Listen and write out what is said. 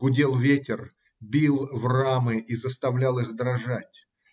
Гудел ветер, бил в рамы и заставлял их дрожать.